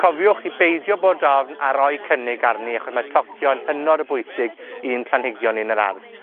Cofiwch i beidio bod ofn, a roi cynnig arni, achos mae tocio yn hynod o bwysig i'n planhigion ni yn yr ardd.